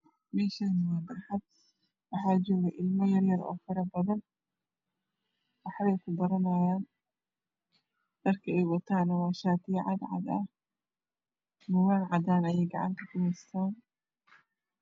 Meshani waa barxad waxa joga ilmo yaryar Oo fara badan waxbay kubaranayan dharma ay watane wa shati you cadcadah Bugag cadanah ayey gacanta kuhestan